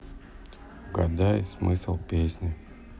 угадай смысл песни